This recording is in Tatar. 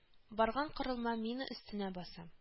Барган корылма мина өстенә баса